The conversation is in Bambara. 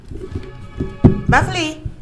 Basi